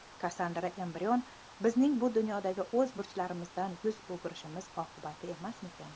kassandra embrion bizning bu dunyodagi o'z burchlarimizdan yuz o'girganimiz oqibati emasmikin